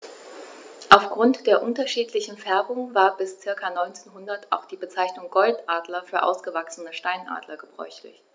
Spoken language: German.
Auf Grund der unterschiedlichen Färbung war bis ca. 1900 auch die Bezeichnung Goldadler für ausgewachsene Steinadler gebräuchlich.